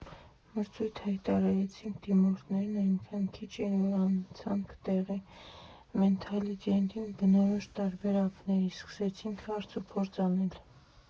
Մրցույթ հայտարարեցինք, դիմորդներն այնքան քիչ էին, որ անցանք տեղի մենթալիտետին բնորոշ տարբերակների՝ սկսեցինք հարց ու փորձ անել։